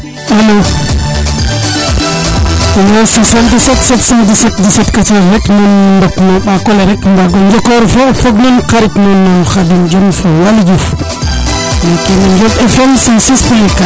alo 777171714rek nu ndok no ɓakole rek nu mbago rek mbago njokor fo fog nuun kharit nuun Khadim Diome fo Waly Diouf no Ndiob FM 106 point 4